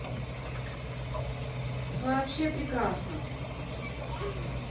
вообще прекрасно